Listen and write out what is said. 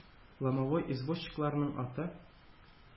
Ломовой извозчикларның аты